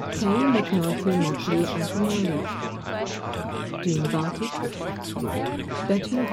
Kay McNulty Mauchley Antonelli, Jean Bartik, Betty